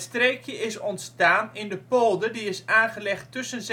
streekje is ontstaan in de polder die is aangelegd tussen